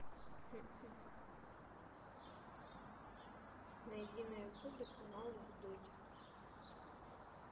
найди на ютубе канал вдудь